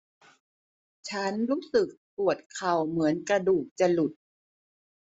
ฉันรู้สึกปวดเข่าเหมือนกระดูกจะหลุด